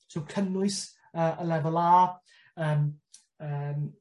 So cynnwys yy y Lefel A yym yym